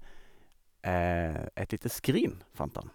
Et lite skrin fant han.